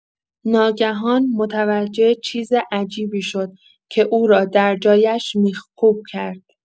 ناگهان متوجه چیز عجیبی شد که او را در جایش میخکوب کرد.